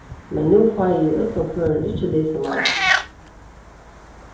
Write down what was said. men nú fái eg í øllum førum ikki lisið meira